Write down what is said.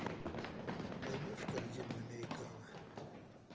добавь в корзину американо